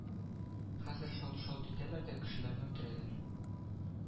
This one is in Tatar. Хәзер шалт-шалт итәләр дә кешеләрне үтерәләр